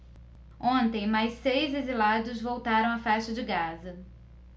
ontem mais seis exilados voltaram à faixa de gaza